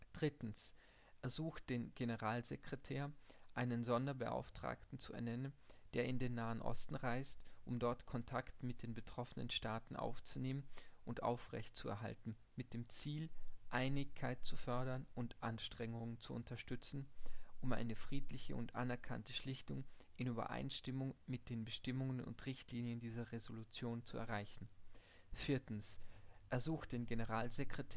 3. ersucht den Generalsekretär, einen Sonderbeauftragten zu ernennen, der in den Nahen Osten reist, um dort Kontakt mit den betroffenen Staaten aufzunehmen und aufrecht zu erhalten, mit dem Ziel, Einigkeit zu fördern und Anstrengungen zu unterstützen, um eine friedliche und anerkannte Schlichtung in Übereinstimmung mit den Bestimmungen und Richtlinien dieser Resolution zu erreichen; 4. ersucht den Generalsekretär